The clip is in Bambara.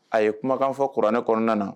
A ye kumakan fɔ kuranɛ kɔnɔna na